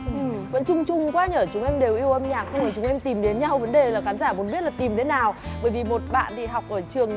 vẫn chung chung quá nhở chúng em đều yêu âm nhạc xong rồi chúng em tìm đến nhau vấn đề là khán giả muốn biết là tìm thế nào bởi vì một bạn thì học ở trường